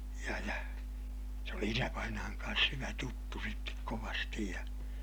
ja ja se oli isävainaan kanssa hyvä tuttu sitten kovasti ja